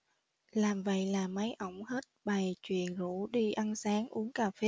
làm vậy là mấy ổng hết bày chuyện rủ đi ăn sáng uống cà phê